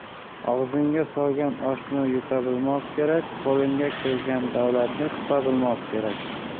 og'izga solgan oshni yuta bilmoq kerak qo'lga kiritgan davlatni tuta bilmoq kerak